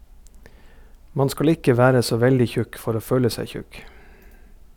Man skal ikke være så veldig tjukk for å føle seg tjukk.